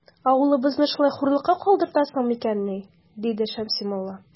Авылыбызны шулай хурлыкка калдыртасың микәнни? - диде Шәмси мулла.